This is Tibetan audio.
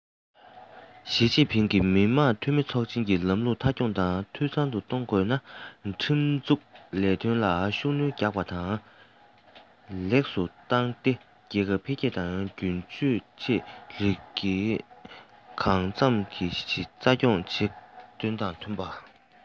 ཞིས ཅིན ཕིང གིས མི དམངས འཐུས མི ཚོགས ཆེན གྱི ལམ ལུགས མཐའ འཁྱོངས དང འཐུས ཚང དུ གཏོང དགོས ན ཁྲིམས འཛུགས ལས དོན ལ ཤུགས སྣོན རྒྱག པ དང ལེགས སུ བཏང སྟེ རྒྱལ ཁབ འཕེལ རྒྱས དང སྒྱུར བཅོས ཆེ རིགས ལ གཞི འཛིན སའི ཁྲིམས ཡོད པའི འགན ལེན བྱས ནས ཁྲིམས འཛུགས རྣམ གྲངས ཚང མ རྩ ཁྲིམས ཀྱི དགོངས དོན དང མཐུན པ དང